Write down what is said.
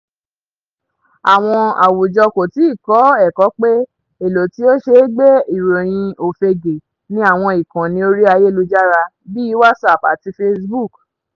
Àwọn àwùjọ kò tíì kọ́ ẹ̀kọ́ pé èlò tí ó ṣe é gbé ìròyìn òfegè ni àwọn ìkànnì orí ayélujára bíi WhatsApp àti Facebook.